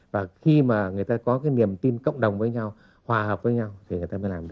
và khi mà người ta có niềm tin cộng đồng với nhau hòa hợp với nhau thì người ta mới làm được